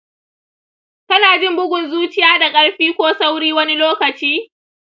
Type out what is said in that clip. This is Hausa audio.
kana jin bugun zuciya da ƙarfi ko sauri wani lokaci?